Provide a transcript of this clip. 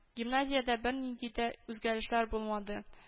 Гимназиядә бер ниндидә үзгәрешләр булмады